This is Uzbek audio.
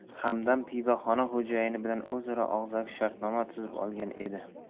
hamdam pivoxona xo'jayini bilan o'zaro og'zaki shartnoma tuzib olgan edi